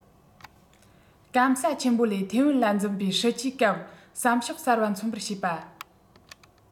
སྐམ ས ཆེན པོ ལས ཐའེ ཝན ལ འཛིན པའི སྲིད ཇུས སྐབས བསམ ཕྱོགས གསར པ མཚོན པར བྱེད པ